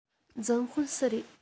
འཛིན དཔོན སུ རེད